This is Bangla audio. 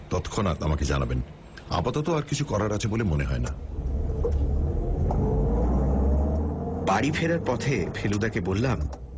তৎক্ষণাৎ আমাকে জানাবেন আপাতত আর কিছু করার আছে বলে মনে হয় না বাড়ি ফেরার পথে ফেলুদাকে বললাম